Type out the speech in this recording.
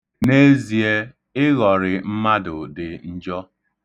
N'ezie, ịghọrị mmadụ dị njọ.